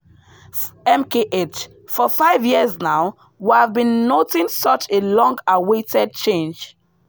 MKH: For five years now we've been noting such a long awaited change.